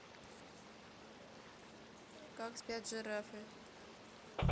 как спят жирафы